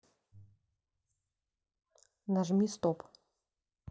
нажми стоп